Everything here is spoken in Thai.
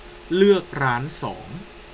เลือกร้านสอง